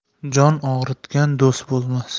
jon og'ritgan do'st bo'lmas